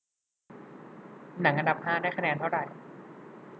หนังอันดับห้าได้คะแนนเท่าไหร่